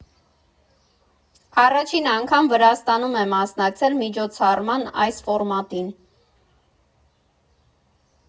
Առաջին անգամ Վրաստանում է մասնակցել միջոցառման այս ֆորմատին.